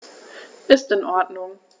Ist in Ordnung.